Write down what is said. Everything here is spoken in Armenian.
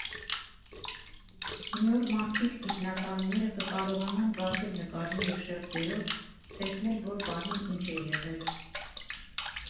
«Մի օր մարդիկ, գիտնականները, կկարողանան բացել նկարները շերտերով, տեսնել՝ որ պահին ինչ է եղել»։